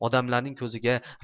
odamlarning ko'ziga